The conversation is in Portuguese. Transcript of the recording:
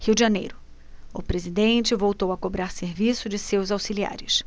rio de janeiro o presidente voltou a cobrar serviço de seus auxiliares